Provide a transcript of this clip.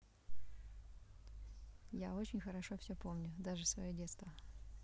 я очень хорошо все помню даже свое детство